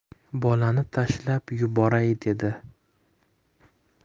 bolani tashlab yuboray dedi